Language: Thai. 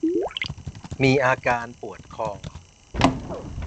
มีอาการปวดคอ